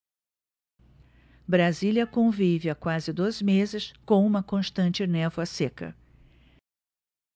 brasília convive há quase dois meses com uma constante névoa seca